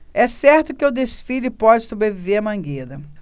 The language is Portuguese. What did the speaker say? é certo que o desfile pode sobreviver à mangueira